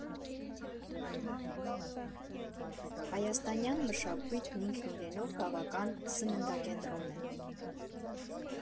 Հայաստանյան մշակույթն ինքն իրենով բավական «սննդակենտրոն» է։